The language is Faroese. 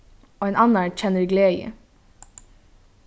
ein annar kennir gleði